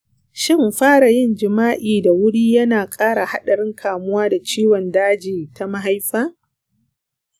shin fara yin jima’i da wuri yana ƙara haɗarin kamuwa da ciwon daji ta mahaifa?